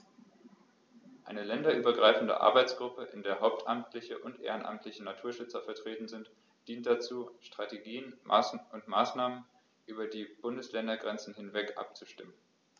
Eine länderübergreifende Arbeitsgruppe, in der hauptamtliche und ehrenamtliche Naturschützer vertreten sind, dient dazu, Strategien und Maßnahmen über die Bundesländergrenzen hinweg abzustimmen.